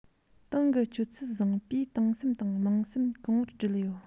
ཏང གི སྤྱོད ཚུལ བཟང པོས ཏང སེམས དང དམངས སེམས གོང བུར བསྒྲིལ ཡོད